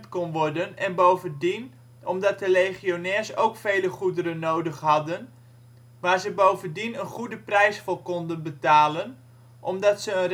kon worden en bovendien omdat de legionairs ook vele goederen nodig hadden, waar ze bovendien een goede prijs voor konden betalen, omdat ze